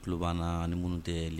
Tulo banna ni minnu tɛ